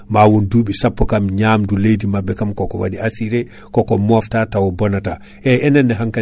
donc stoke kaadi heddi donc non kaadi nde wonno kadi ko produit mo ganduɗa o ummo to en kaadi koto woɗɗi